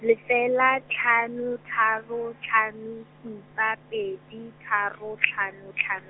lefela tlhano tharo tlhano supa pedi tharo tlhano tlhano.